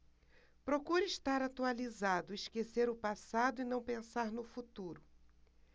procuro estar atualizado esquecer o passado e não pensar no futuro